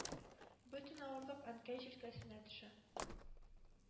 Өтен авырлык әнкәй җилкәсенә төшә.